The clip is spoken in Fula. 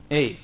eyyi